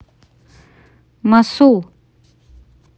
мосул